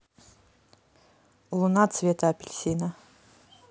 луна цвета апельсина